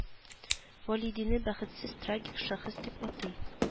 Вәлидине бәхетсез трагик шәхес дип атый